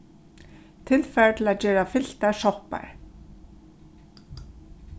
tilfar til at gera fyltar soppar